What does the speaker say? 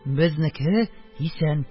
Безнеке исән.